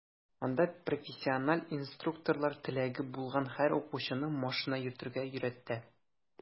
Анда профессиональ инструкторлар теләге булган һәр укучыны машина йөртергә өйрәтә.